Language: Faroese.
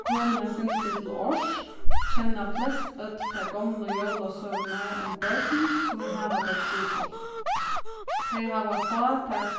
komin eitt sindur til árs kenna flestøll tær gomlu jólasøgurnar um børn sum hava tað trupult tey hava fátæk